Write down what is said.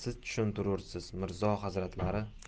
siz tushuntirursiz mirzo hazratlari